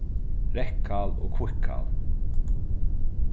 reyðkál og hvítkál